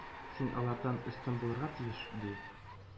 Син алардан өстен булырга тиеш!“ — ди.